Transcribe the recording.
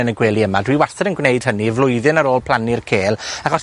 yn y gwely yma. Dwi wastad yn gwneud hynny flwyddyn ar ôl plannu'r cêl, achos